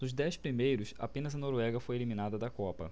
dos dez primeiros apenas a noruega foi eliminada da copa